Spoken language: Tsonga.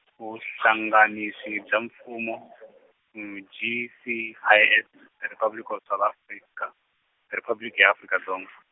Vuhlanganisi bya Mfumo, G C I S Republic of South Africa Riphabliki ya Afrika Dzonga.